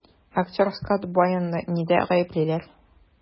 Актер Скотт Байоны нидә гаеплиләр?